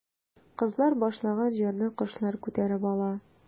Кызлар башлаган җырны кошлар күтәреп ала.